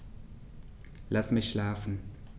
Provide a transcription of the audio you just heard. Lass mich schlafen